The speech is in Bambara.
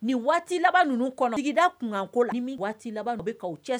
Nin waati laban ninnu kɔnɔ sigida kunkɔ ni waati laban bɛ cɛ